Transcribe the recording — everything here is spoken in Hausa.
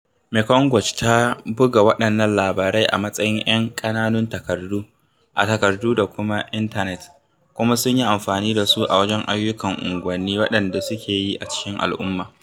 Mekong Watch ta buga waɗannan labarai a matsayin 'yan ƙananan takardu a takardu da kuma intanet, kuma sun yi amfani da su a wajen ayyukan unguwanni waɗanda suke yi a cikin al'umma.